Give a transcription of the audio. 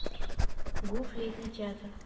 гуф летний театр